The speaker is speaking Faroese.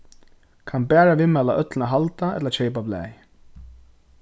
kann bara viðmæla øllum at halda ella keypa blaðið